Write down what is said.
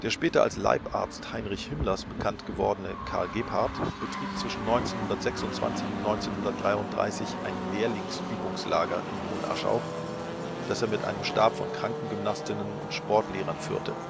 später als Leibarzt Heinrich Himmlers bekannt gewordene Karl Gebhardt betrieb zwischen 1926 und 1933 ein „ Lehrlingsübungslager “in Hohenaschau, das er mit einem Stab von Krankengymnastinnen und Sportlehrern führte